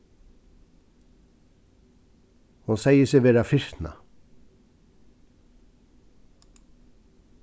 hon segði seg vera firtna